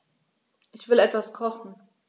Ich will etwas kochen.